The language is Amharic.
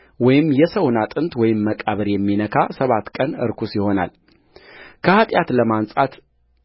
ወይም የሰውን አጥንት ወይም መቃብር የሚነካ ሰባት ቀን ርኩስ ይሆናልከኃጢአት ለማንጻት